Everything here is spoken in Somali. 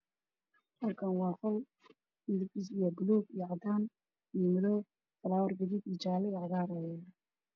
Halkaan waa qol midabkiisa yahay baluug iyo cadaan iyo madow falaawar gaduud jaalle iyo cagaar.